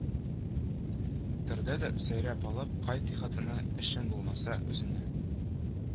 Торды да: «сөйрәп алып кайт ихатаңа, эшең булмаса, үзеңә